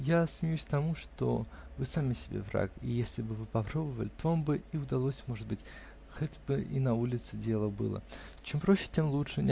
я смеюсь тому, что вы сами себе враг, и если б вы попробовали, то вам бы и удалось, может быть, хоть бы и на улице дело было чем проще, тем лучше.